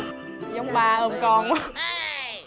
giống ba ôm con